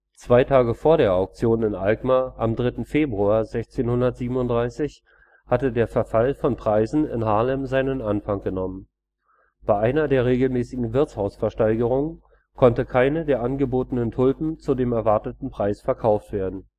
Zwei Tage vor der Auktion in Alkmaar, am 3. Februar 1637, hatte der Verfall von Preisen in Haarlem seinen Anfang genommen. Bei einer der regelmäßigen Wirtshausversteigerungen konnte keine der angebotenen Tulpen zu dem erwarteten Preis verkauft werden